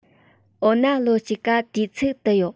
འོ ན ལོ གཅིག ག དུས ཚིགས དི ཡོད